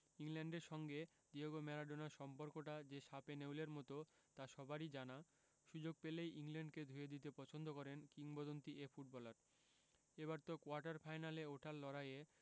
ইংল্যান্ডের সঙ্গে ডিয়েগো ম্যারাডোনার সম্পর্কটা যে শাপে নেউলের মতো তা সবারই জানা সুযোগ পেলেই ইংল্যান্ডকে ধুয়ে দিতে পছন্দ করেন কিংবদন্তি এ ফুটবলার এবার তো কোয়ার্টার ফাইনালে ওঠার লড়াইয়ে